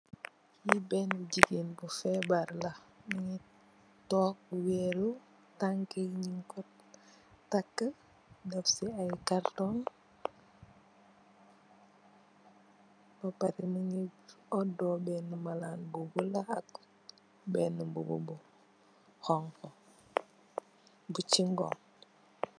Lii beenú jigéen bu fébar la. Mungi toog weeru, tàngú yi ñuuñg ko takë, Def si ay kartoñg. Ba pare mungi oodo Beena malaan bu bulo ak been mbuba bu xönxa.